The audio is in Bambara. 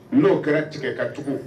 N'o kɛra tigɛ ka tugun